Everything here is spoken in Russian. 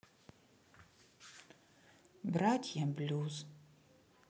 братья блюз